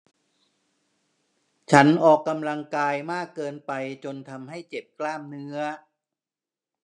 ฉันออกกำลังกายมากเกินไปจนทำให้เจ็บกล้ามเนื้อ